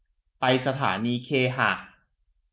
ไปสถานีเคหะ